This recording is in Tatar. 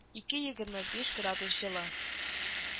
Ике-егерме биш градус җылы